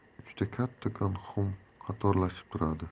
kattakon xum qatorlashib turadi